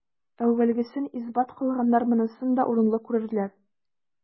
Әүвәлгесен исбат кылганнар монысын да урынлы күрерләр.